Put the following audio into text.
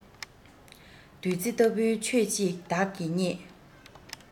བདུད རྩི ལྟ བུའི ཆོས ཤིག བདག གིས རྙེད